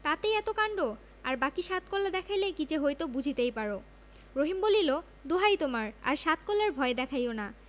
তাতেই এত কাণ্ড আর বাকী সাত কলা দেখাইলে কি যে হইত বুঝিতেই পার রহিম বলিল দোহাই তোমার আর সাত কলার ভয় দেখাইও না